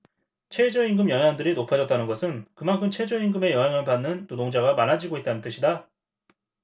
최저임금 영향률이 높아졌다는 것은 그만큼 최저임금의 영향을 받는 노동자가 많아지고 있다는 뜻이다